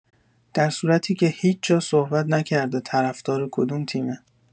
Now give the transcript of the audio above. درصورتی که هیج جا صحبت نکرده طرفدار کدوم تیمه